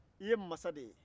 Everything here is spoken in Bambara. i ye mansa de ye